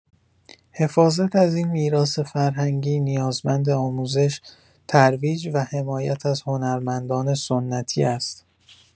حفاظت از این میراث‌فرهنگی نیازمند آموزش، ترویج و حمایت از هنرمندان سنتی است.